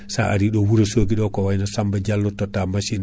sa ari ɗo Wourossogui ɗo ko wayno Samba Diallo totta machine